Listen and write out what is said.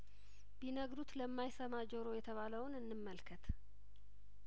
ቢነግሩት ለማ ይሰማ ጆሮ የተባለውን እንመልከት